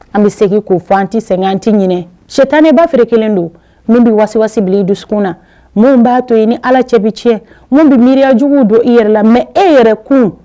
An bɛ segin k'o fɔan tɛ sɛgɛn tɛ ɲini cɛ tan ni ba feere kelen don minnu bɛ wasibilen i dusukun na minnu b'a to yen ni ala cɛ bɛ tiɲɛ minnu bɛ miiriyajugu don i yɛrɛ la mɛ e yɛrɛ kun